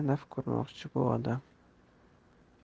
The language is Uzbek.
nima naf ko'rmoqchi bu odam